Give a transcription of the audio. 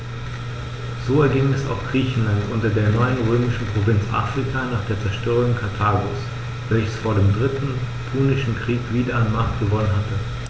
So erging es auch Griechenland und der neuen römischen Provinz Afrika nach der Zerstörung Karthagos, welches vor dem Dritten Punischen Krieg wieder an Macht gewonnen hatte.